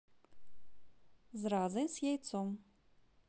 зразы с яйцом